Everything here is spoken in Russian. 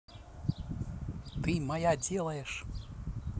ты моя делаешь